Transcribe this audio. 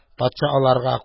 Патша аларга